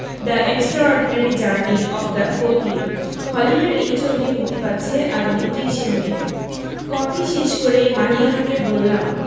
the extraordinary journey of the fakir হলিউডের এই ছবিটি মুক্তি পাচ্ছে আগামী ৩০ মে কফি শেষ করেই মালিহাকে বললাম